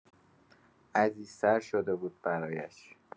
عزیزتر شده بود برایش